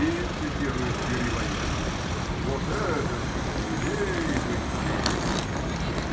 И цитирует Грибоедова: вот этаких людей бы сечь-то.